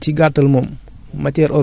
yooyu yépp source de matière organique la